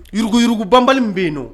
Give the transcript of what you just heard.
Yuguyurugubanban bɛ yen nɔ